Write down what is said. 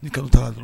Ni kanu taara dɔrɔn